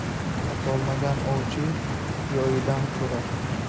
otolmagan ovchi yoyidan ko'rar